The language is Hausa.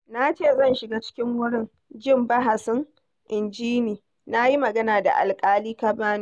"Na ce zan shiga cikin wurin jin bahasin, inji ni, na yi magana da Alƙali Kavanaugh.